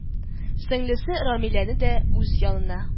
Сеңлесе рәмиләне дә үз янына